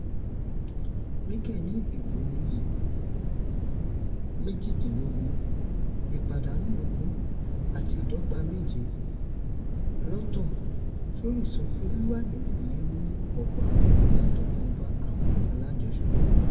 Mickelson ní ìborí 18. ìpàdánù 20 àti ìdọ́gba méje, lọ́ọ̀tọ́ Furyk sọ pé wíwà níbẹ̀ rẹ̀ mú ọ̀pọ̀ àwọn ìyàtọ̀ kan bá àwọn alájọṣepọ̀.